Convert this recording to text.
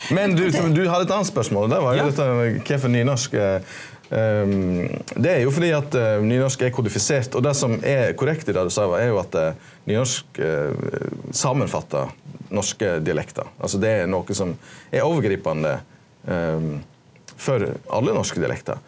men du som du har eit anna spørsmål og det var jo dette med kvifor nynorsk er det er jo fordi at nynorsk er kodifisert og det som er korrekt i det du sa er jo at nynorsk samanfattar norske dialektar, altso det er noko som er overgripande for alle norske dialektar.